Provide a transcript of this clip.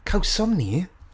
Cawsom ni,